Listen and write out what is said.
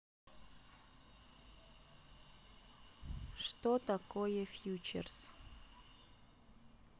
что такое фьючерс